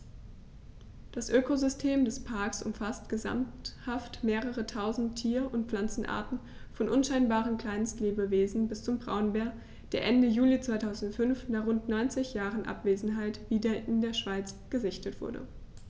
Das Ökosystem des Parks umfasst gesamthaft mehrere tausend Tier- und Pflanzenarten, von unscheinbaren Kleinstlebewesen bis zum Braunbär, der Ende Juli 2005, nach rund 90 Jahren Abwesenheit, wieder in der Schweiz gesichtet wurde.